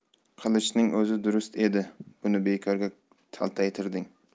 qilichning o'zi durust edi buni bekorga taltaytirding